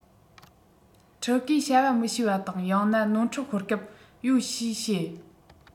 ཕྲུ གུས བྱ བ མི ཤེས པ དང ཡང ན ནོར འཁྲུལ ཤོར སྐབས ཡོད ཞེས བཤད